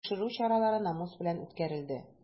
Тикшерү чаралары намус белән үткәрелде.